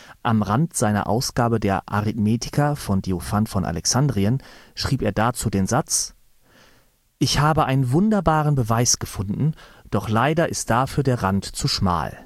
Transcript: Am Rand seiner Ausgabe der „ Arithmetica “von Diophant von Alexandrien schrieb er dazu den Satz: „ Ich habe einen wunderbaren Beweis gefunden, doch leider ist dafür der Rand zu schmal